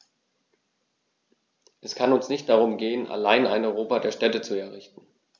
Es kann uns nicht darum gehen, allein ein Europa der Städte zu errichten.